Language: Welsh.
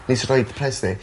Ni sy roid y pres ddi.